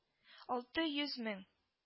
Алты йөз мең